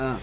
an